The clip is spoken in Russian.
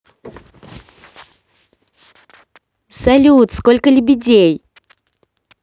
салют сколько лебедей